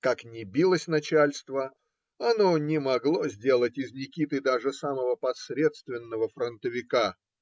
Как ни билось начальство, оно не могло сделать из Никиты даже самого посредственного фронтовика.